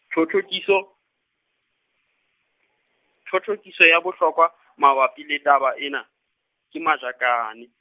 thothokiso, thothokiso ya bohlokwa , mabapi le taba ena, ke Majakane.